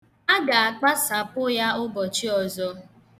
A ga-akpasapụ ya ụbọchị ọzọ.